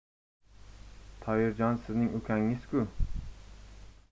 toyirjon sizning ukangiz ku